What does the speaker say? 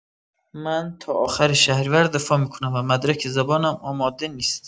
من تا آخر شهریور دفاع می‌کنم و مدرک زبانم آماده نیست.